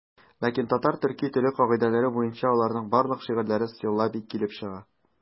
Ләкин татар-төрки теле кагыйдәләре буенча аларның барлык шигырьләре силлабик килеп чыга.